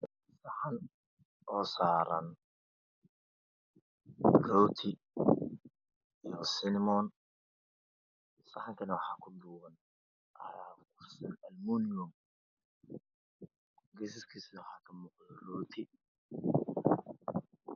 Saxan oo saaran rooti iyo sinimoon. Saxankana waxaa kuduuban almoniyam geesaskiisana waxaa kamuuqdo rooti.